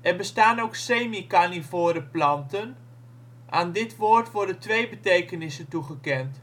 Er bestaan ook semi-carnivore planten. Aan dit woord worden twee betekenissen toegekend: